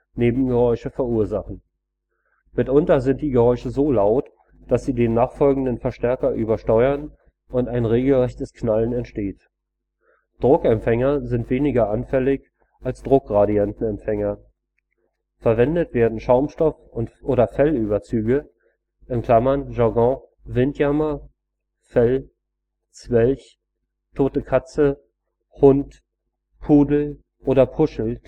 Nebengeräusche verursachen. Mitunter sind die Geräusche so laut, dass sie den nachfolgenden Verstärker übersteuern und ein regelrechtes Knallen entsteht. Druckempfänger sind weniger anfällig als Druckgradientenempfänger. Verwendet werden Schaumstoff - oder Fellüberzüge (Jargon: Windjammer, Fell, Zwelch, Tote Katze, Hund, Pudel oder Puschel